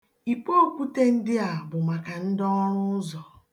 Ikpo okwute ndị a bụ maka ndị ọrụ ụzọ.